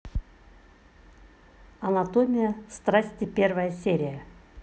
анатомия страсти первая серия